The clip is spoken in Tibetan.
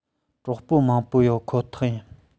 གྲོགས པོ མང པོ ཡོད ཁོ ཐག ཡིན